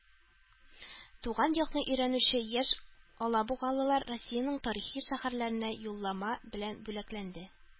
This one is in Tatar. Туган якны өйрәнүче яшь алабугалылар Россиянең тарихи шәһәрләренә юллама белән бүләкләнде